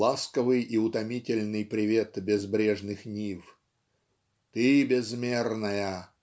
ласковый и утомительный привет безбрежных нив! Ты безмерная